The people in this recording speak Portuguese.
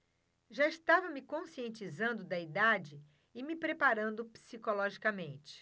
já estava me conscientizando da idade e me preparando psicologicamente